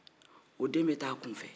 o den bɛ taa a kun fɛ